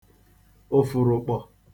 ụ̀fụ̀rụ̀kpọ̀